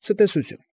Ցտեսություն։